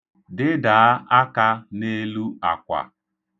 Dịdaa aka n'akwa.